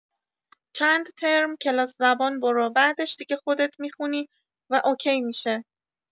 چند ترم کلاس زبان برو بعدش دیگه خودت می‌خونی و اوکی می‌شه